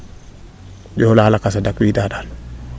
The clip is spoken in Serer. bola o diola lakas a dak wiida